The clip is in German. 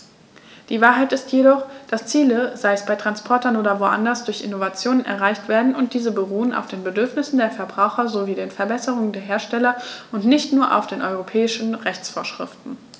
Die Wahrheit ist jedoch, dass Ziele, sei es bei Transportern oder woanders, durch Innovationen erreicht werden, und diese beruhen auf den Bedürfnissen der Verbraucher sowie den Verbesserungen der Hersteller und nicht nur auf europäischen Rechtsvorschriften.